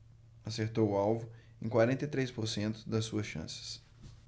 acertou o alvo em quarenta e três por cento das suas chances